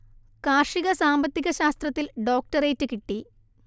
കാർഷിക സാമ്പത്തിക ശാസ്ത്രത്തിൽ ഡോക്ടറേറ്റ് കിട്ടി